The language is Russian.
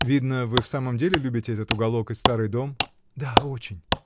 — Видно, вы в самом деле любите этот уголок и старый дом? — Да, очень.